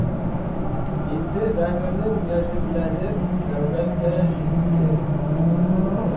Инде Дамирның гаҗәпләнер нәүбәте җитте.